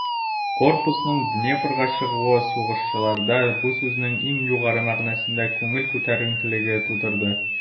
Корпусның Днепрга чыгуы сугышчыларда бу сүзнең иң югары мәгънәсендә күңел күтәренкелеге тудырды.